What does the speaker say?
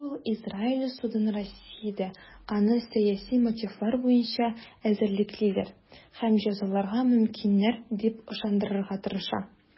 Үзе ул Израиль судын Россиядә аны сәяси мотивлар буенча эзәрлеклиләр һәм җәзаларга мөмкиннәр дип ышандырырга тырыша.